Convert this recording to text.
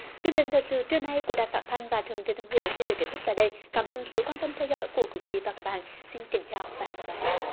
chương trình thời sự trưa nay của đài phát thanh và truyền hình thừa thiên huế xin được kết thúc tại đây cảm ơn sự quan tâm theo dõi của quý vị và các bạn xin kính chào và hẹn gặp lại